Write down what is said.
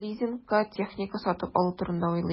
Лизингка техника сатып алу турында уйлый.